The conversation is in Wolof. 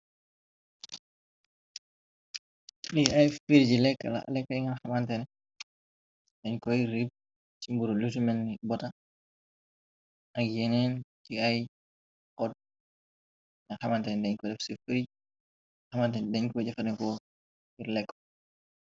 Li ay firigi lekka , lekka nga xamantene dañ koy rib ci mburu lutumelni bota, ak yeneen ci ay kot na xamantane dañ ko lef ci firi, xamanten dañ koy jafaneko ngir lekako.